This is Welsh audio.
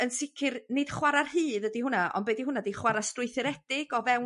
yn sicr nid chwara rhydd ydy hwnna ond be' 'di hwnna 'di chwara strwythuredig o fewn